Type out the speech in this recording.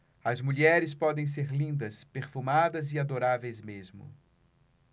as mulheres podem ser lindas perfumadas e adoráveis mesmo